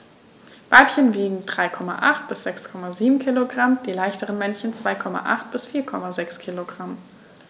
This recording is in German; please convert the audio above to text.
Weibchen wiegen 3,8 bis 6,7 kg, die leichteren Männchen 2,8 bis 4,6 kg.